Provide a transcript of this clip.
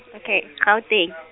okay, Gauteng.